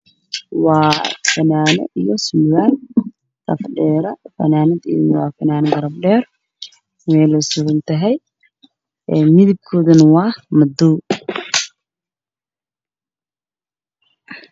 Waa fanaanad iyo surwaal luga dheera, fanaanadu waa gacmo dheer, meel ayay suran tahay midabkoodu waa madow.